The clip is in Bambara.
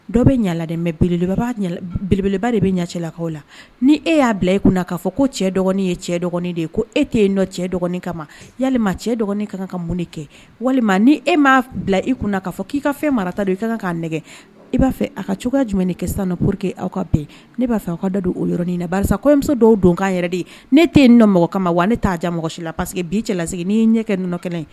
Dɔw bɛ ɲagala beleeleba de bɛ ɲɛlakaw la ni e y'a bila e kun ka fɔ ko cɛ dɔgɔnin ye cɛ dɔgɔnin de ye ko e tɛ nɔ cɛ dɔgɔnin ka ya cɛ dɔgɔnin ka kan ka mun kɛ walima ni e m'a bila i'a fɔ k'i ka fɛn mara ta don i ka kan ka nɛgɛ i b'a fɛ a ka cogoya ka jumɛn ni kɛ na pour queke aw ka bɛn ne b'a fɛ aw ka da don o yɔrɔɔrɔnin na ba ko emuso dɔw donkan yɛrɛ de ye ne tɛ nɔ mɔgɔ kama ma wa ne'a jan mɔgɔ si la paseke bi cɛlala segin n'i ɲɛ kɛ nɔnɔ kelen ye